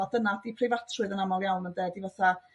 a dyna 'di preifatrwydd yn amal iawn ynde? 'Di fatha